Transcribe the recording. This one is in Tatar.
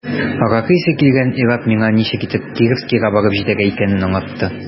Аракы исе килгән ир-ат миңа ничек итеп Кировскига барып җитәргә икәнен аңлата.